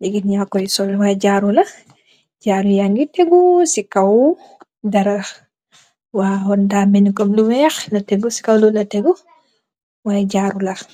nit ya koi sol y jaru la jaaru yageh tegu si kaw dara waw da melni lu weex si lu weex la tegu y jaaru la.